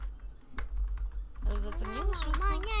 заценил шутку